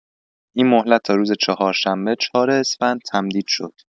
این مهلت تا روز چهارشنبه، ۴ اسفند تمدید شد.